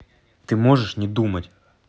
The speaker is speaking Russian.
ты можешь не думать